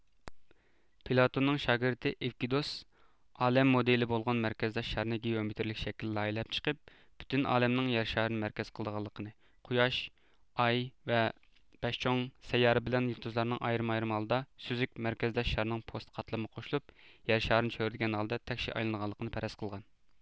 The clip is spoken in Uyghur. پلاتوننىڭ شاگىرتى ئېۋدۇكۇس ئالەم مودېلى بولغان مەركەزداش شارنى گېئومېتىرىيىلىك شەكىلدە لايىھىلەپ چىقىپ پۈتۈن ئالەمنىڭ يەر شارىنى مەركەز قىلىدىغانلىقىنى قۇياش ئاي ۋە بەش چوڭ سەييارە بىلەن يۇلتۇزلارنىڭ ئايرىم ئايرىم ھالدا سۈزۈك مەركەزداش شارنىڭ پوست قاتلىمىغا قوشۇلۇپ يەر شارىنى چۆرىدىگەن ھالدا تەكشى ئايلىنىدىغانلىقىنى پەرەز قىلغان